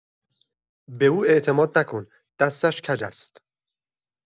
به او اعتماد نکن، دستش کج است.